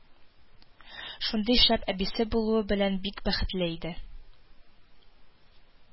Шундый шәп әбисе булуы белән бик бәхетле иде